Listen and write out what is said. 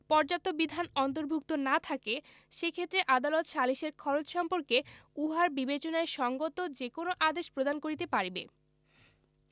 পর্যাপ্ত বিধান অন্তর্ভুক্ত না থাকে সে ক্ষেত্রে আদালত সালিসের খরচ সম্পর্কে উহার বিবেচনায় সংগত যে কোন আদেশ প্রদান করিতে পারিবে